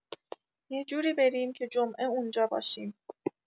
یه جوری بریم که جمعه اونجا باشیم.